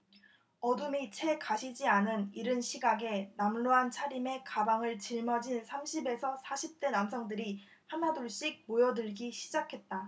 어둠이 채 가시지 않은 이른 시각에 남루한 차림에 가방을 짊어진 삼십 에서 사십 대 남성들이 하나둘씩 모여들기 시작했다